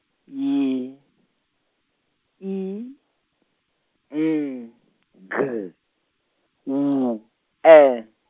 Y I N G W E.